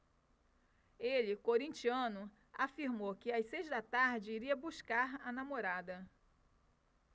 ele corintiano afirmou que às seis da tarde iria buscar a namorada